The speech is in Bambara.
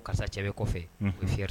Karisa cɛ bɛ kɔfɛ, o fier